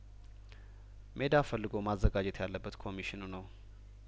ሜዳ ፈልጐ ማዘጋጀት ያለበት ኮሚሽኑ ነው